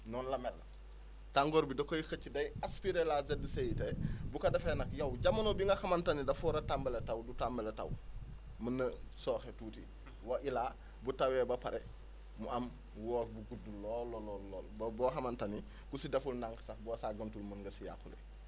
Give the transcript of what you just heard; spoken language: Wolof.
noonu la mel tàngoor bi da koy xëcc day aspiré la ZCIT bu ko defee nag yow jamono bi nga xamante ne dafa war a tàmbale taw du tàmbale taw mun na sooxe tuuti wa illaa bu tawee ba pare mu am woor bu gudd lool lool lool lool boo boo xamante ni ku si deful ndànk sax boo saggantuwul mun nga si yàqule